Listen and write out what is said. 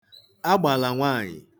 agbàlà nwaànyị̀